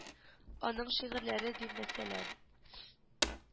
Аның шигырьләре ди мәсәлән